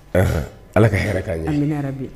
Ala ka hɛrɛ k'a ye bi